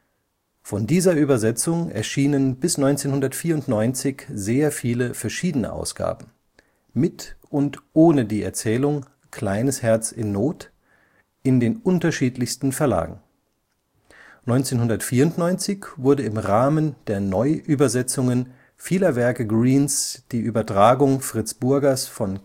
von dieser Übersetzung erschienen bis 1994 sehr viele verschiedene Ausgaben - mit und ohne die Erzählung Kleines Herz in Not - in den unterschiedlichsten Verlage. 1994 wurde im Rahmen der Neuübersetzungen vieler Werke Greenes die Übertragung Fritz Burgers von